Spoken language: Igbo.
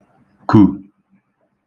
kù